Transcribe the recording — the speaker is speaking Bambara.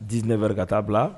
Di ne bɛ ka taa bila